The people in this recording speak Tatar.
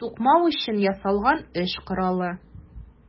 Тукмау өчен ясалган эш коралы.